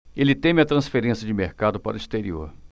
ele teme a transferência de mercado para o exterior